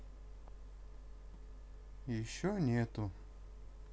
еще нету